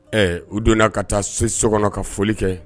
Ɛ u donna ka taa se so kɔnɔ ka foli kɛ